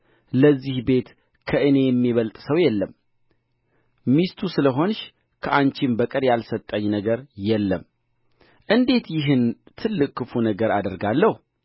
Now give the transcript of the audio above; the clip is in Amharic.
ከእኔ ጋር ተኛ ስትል ልብሱን ተጠማጥማ ያዘች እርሱም ልብሱን በእጅዋ ትቶላት ሸሸ ወደ ውጭም ወጣ